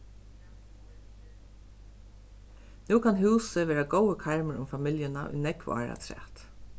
nú kann húsið vera góður karmur um familjuna í nógv ár afturat